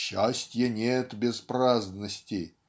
"Счастья нет без праздности